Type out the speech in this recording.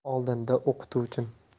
oldinda o'qituvchim